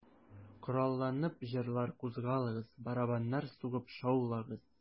Коралланып, җырлар, кузгалыгыз, Барабаннар сугып шаулагыз...